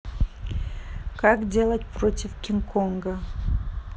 как делать против кинг конга